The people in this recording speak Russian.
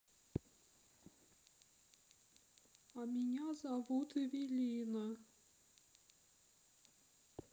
а меня зовут эвелина